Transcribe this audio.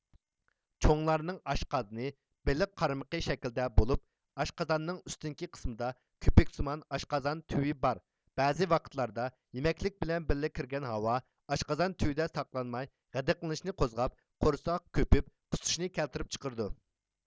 چوڭلارنىڭ ئاشقازىنى بېلىق قارمىقى شەكلىدە بولۇپ ئاشقازاننىڭ ئۈستۈنكى قىسمىدا كۆپۈكسىمان ئاشقازان تۈۋى بار بەزى ۋاقىتلاردا يېمەكلىك بىلەن بىللە كىرگەن ھاۋا ئاشقازان تۈۋىدە ساقلانماي غىدىقلىنىشىنى قوزغاپ قورساق كۆپۈپ قۇسۇشنى كەلتۈرۈپ چىقرىدۇ